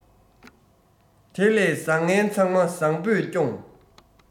དེ ལས བཟང ངན ཚང མ བཟང པོས སྐྱོངས